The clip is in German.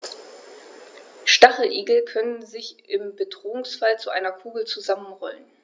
Stacheligel können sich im Bedrohungsfall zu einer Kugel zusammenrollen.